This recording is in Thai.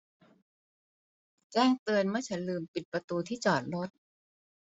แจ้งเตือนเมื่อฉันลืมปิดประตูที่จอดรถ